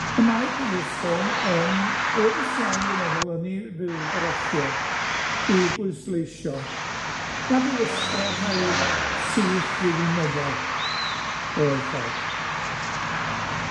Y mae Dilys Stone yn awyddus iawn, dwi'n meddwl, yn 'i fywgraffiad i bwysleisio nad ryw ysgolhaig sych ddiwinyddol oedd Dodd.